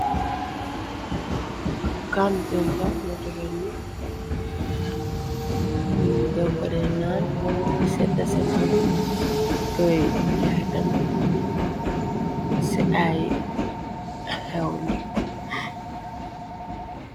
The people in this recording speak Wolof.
Kandring la motogen ni niñu denkone naan di sedda seen xoli këy jaxe dem ci ay xew ni.